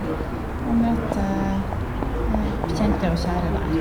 Og møte kjente og kjære der.